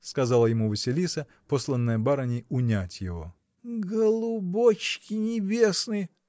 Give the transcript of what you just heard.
— сказала ему Василиса, посланная барыней унять его. — Голубочки небесные!